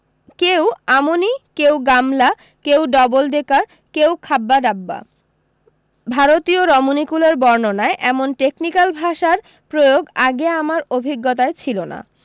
কেউ আমনী কেউ গামলা কেউ ডবল ডেকার কেউ খাব্বা ডাব্বা ভারতীয় রমণীকুলের বরণনায় এমন টেকনিক্যাল ভাষার প্রয়োগ আগে আমার অভিজ্ঞতায় ছিল না